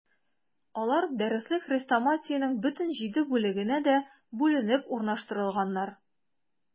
Алар дәреслек-хрестоматиянең бөтен җиде бүлегенә дә бүленеп урнаштырылганнар.